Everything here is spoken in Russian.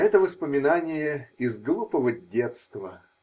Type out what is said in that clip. Это воспоминание -- из глупого детства.